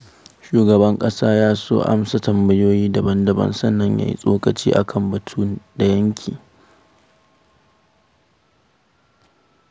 Shugaban ƙasa ya so amsa tambayoyi daban-daban sannan ya yi tsokaci a kan batu da yanki.